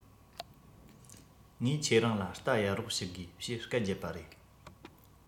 ངས ཁྱེད རང ལ རྟ གཡར རོགས ཞུ དགོས ཞེས སྐད རྒྱབ པ རེད